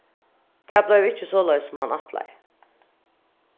tað bleiv ikki soleiðis sum hann ætlaði